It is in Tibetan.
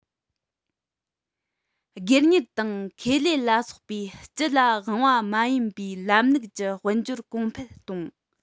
སྒེར གཉེར དང ཁེར གཉེར ལ སོགས པའི སྤྱི ལ དབང བ མ ཡིན པའི ལམ ལུགས ཀྱི དཔལ འབྱོར གོང འཕེལ གཏོང